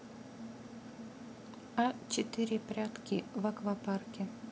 а четыре прятки в аквапарке